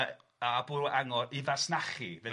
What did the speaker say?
...yy a bwrw angor i fasnachu... Reit.